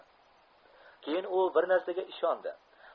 keyin u bir narsaga ishondi